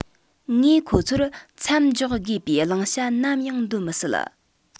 ངས ཁོ ཚོར མཚམས འཇོག དགོས པའི བླང བྱ ནམ ཡང འདོན མི སྲིད